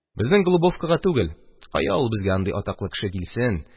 Безнең Голубовкага түгел – кая ул безгә андый атаклы кеше килсен.